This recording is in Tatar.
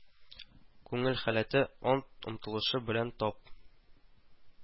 Күңел халәте, ан омтылышы белән тап